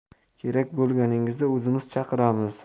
kerak bo'lganingizda o'zimiz chaqiramiz